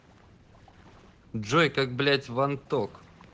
джой как блять ван ток